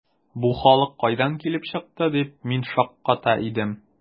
“бу халык кайдан килеп чыкты”, дип мин шакката идем.